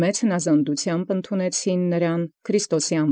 Որոց առաւել հպատակութեամբ ընկալեալ վասն անուանն Քրիստոսի։